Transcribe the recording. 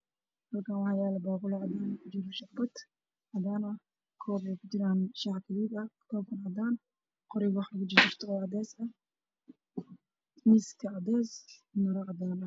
Halakn waxayalo baquli kujiro shagabad cadan ah kob eey kujiran shhax gaduud ah kob kale oo cadan ah qoriga wax laku jarjaro oo cades ah miiska cades maro cadan